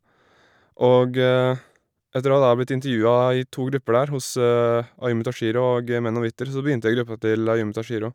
Og etter å ha da blitt intervjua i to grupper der, hos Ayumu Tashiro og G Menno Witter, så begynte jeg i gruppa til Ayumu Tashiro.